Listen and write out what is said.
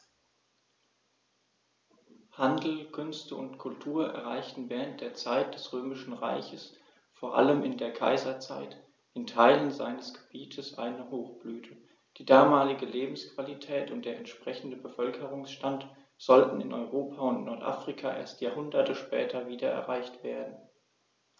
Handel, Künste und Kultur erreichten während der Zeit des Römischen Reiches, vor allem in der Kaiserzeit, in Teilen seines Gebietes eine Hochblüte, die damalige Lebensqualität und der entsprechende Bevölkerungsstand sollten in Europa und Nordafrika erst Jahrhunderte später wieder erreicht werden.